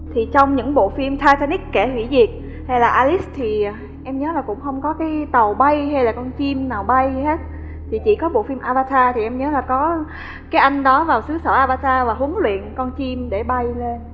thì trong những bộ phim thai tha ních kẻ hủy diệt hay là a lít thì em nhớ là cũng không có cái tàu bay hay là con chim nào bay hết thì chỉ có bộ phim a va tha thì em nhớ là có cái anh đó vào xứ sở a va tha và huấn luyện con chim để bay lên